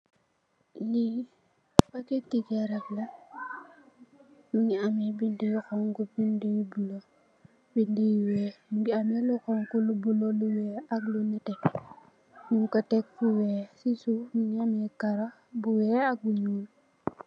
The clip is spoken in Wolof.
Li pakèt ti garab la. Mungi ameh binda yu honku, binda yu bulo, bindi yu weeh. Mungi ameh lu honku lu bulo, lu weeh ak lu nètè. Nung ko tekk fu weeh ci suuf mungi ameh Karo bu weeh ak bu ñuul.